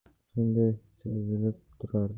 shunday sezilib turardi